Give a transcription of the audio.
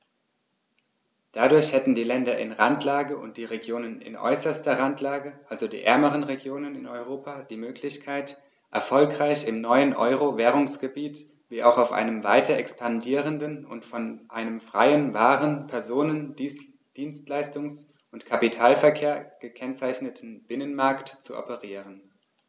Dadurch hätten die Länder in Randlage und die Regionen in äußerster Randlage, also die ärmeren Regionen in Europa, die Möglichkeit, erfolgreich im neuen Euro-Währungsgebiet wie auch auf einem weiter expandierenden und von einem freien Waren-, Personen-, Dienstleistungs- und Kapitalverkehr gekennzeichneten Binnenmarkt zu operieren.